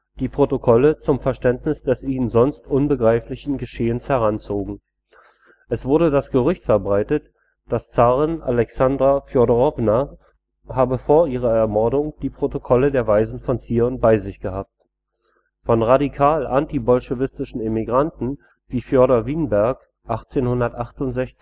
die Protokolle zum Verständnis des ihnen sonst unbegreiflichen Geschehens heranzogen. Es wurde das Gerücht verbreitet, die Zarin Alexandra Fjodorowna habe vor ihrer Ermordung die Protokolle der Weisen von Zion bei sich gehabt. Von radikal antibolschewistischen Emigranten wie Fjodor Winberg (1868 –